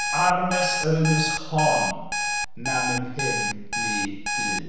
Arymes yr ynys hon namyn hyn ny byd.